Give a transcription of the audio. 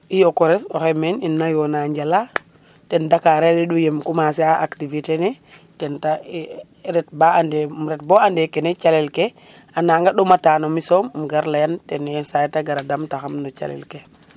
i o kores o xey men ina yona njala ten Dsckar a reɗ u yem commencer a acticiter ne tenta ret ba ande um ret bo ande kene calel ke a nanga ɗomata na mi soom um gar leyan yenisay te gara damtaxam no calel ke